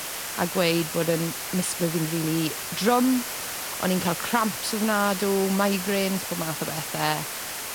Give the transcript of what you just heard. a gweud bod 'yn mislif i'n rili drwm o'n i'n ca'l cramps ofnadw, migraines pob math o bethe.